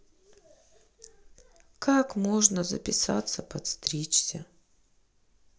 как можно записаться подстричься